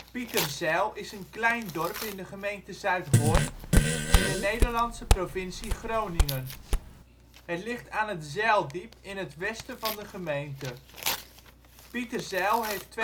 Pieterzijl (Gronings: Pieterziel) is een klein dorp in de gemeente Zuidhorn in de Nederlandse provincie Groningen. Het ligt aan het Zijldiep in het westen van de gemeente. Pieterzijl heeft